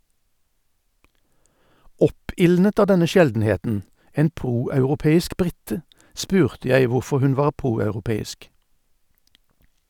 Oppildnet av denne sjeldenheten - en proeuropeisk brite - spurte jeg hvorfor hun var proeuropeisk.